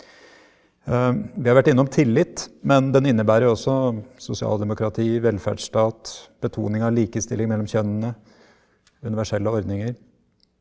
vi har vært innom tillit men den innebærer jo også sosialdemokrati velferdsstat betoning av likestilling mellom kjønnene universelle ordninger.